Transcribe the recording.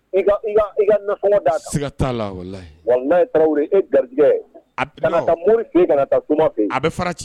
Ka ka la wa n'a tarawele e garijɛ a mori ka kuma a bɛ fara ci